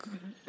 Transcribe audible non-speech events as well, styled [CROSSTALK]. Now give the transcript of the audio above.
[HESITATION] [HESITATION]